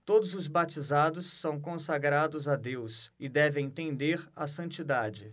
todos os batizados são consagrados a deus e devem tender à santidade